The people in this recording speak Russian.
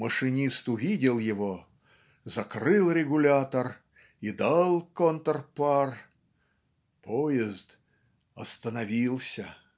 Машинист увидел его, закрыл регулятор и дал контр-пар. Поезд остановился".